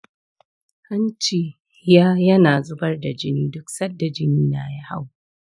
hanci ya yana zubar da jini duk sanda jini na ya hau.